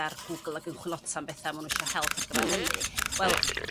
ar Google ac yn chwilota am betha' a ma' n'w isio help ar gyfer hynny wel